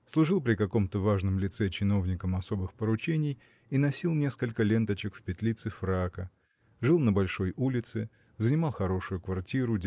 служил при каком-то важном лице чиновником особых поручений и носил несколько ленточек в петлице фрака жил на большой улице занимал хорошую квартиру